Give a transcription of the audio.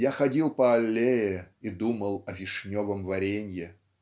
Я ходил по аллее и думал о вишневом варенье".